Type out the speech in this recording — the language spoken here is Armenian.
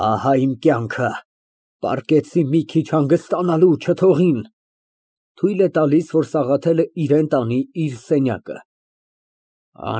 Ահա իմ կյանքը, պառկեցի մի քիչ հանգստանալու, չթողին։ (Թույլ է տալիս, որ Սաղաթելն իրան տանի իր սենյակը)։